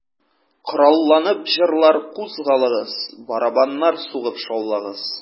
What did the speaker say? Коралланып, җырлар, кузгалыгыз, Барабаннар сугып шаулагыз...